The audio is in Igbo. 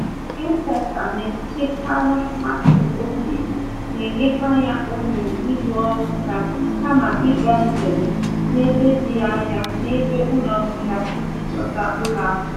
M-PESA na-echekwara Martin oge, na-enyekwa ya ohere ịrụ ọrụ ya kama ịga njem n'ebe dị anya n'ebe ụlọọrụ ya iji chọta ụlọakụ.